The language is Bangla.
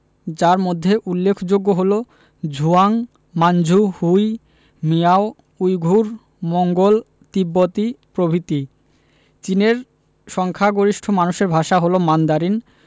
যার মধ্যে উল্লেখযোগ্য হলো Zhuang Manchu Hui Miao Uyghur Mongol তিব্বতি প্রভৃতি চীনের সংখ্যাগরিষ্ঠ মানুষের ভাষা হলো মান্দারিন